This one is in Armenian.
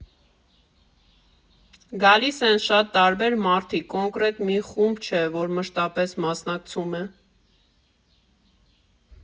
Գալիս են շատ տարբեր մարդիկ, կոնկրետ մի խումբ չէ, որ մշտապես մասնակցում է։